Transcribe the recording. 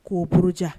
K'o burujan